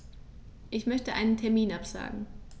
Ich möchte einen Termin absagen.